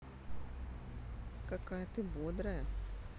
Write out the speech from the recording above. какая ты бодрая